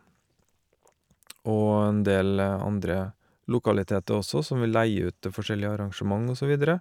Og en del andre lokaliteter også, som vi leier ut til forskjellige arrangement og så videre.